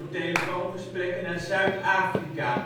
telefoongesprekken naar Zuid-Afrika